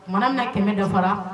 Kumana mina 100 dafara